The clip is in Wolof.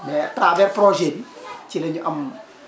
mais travers projet bi ci la ñu am